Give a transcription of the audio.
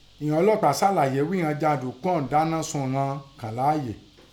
Ìghọn ọlọ́pàá sàlàyé ghí ìghọn jàǹdùkú ọ̀ún dáná sun ìghọn kàn láàyè.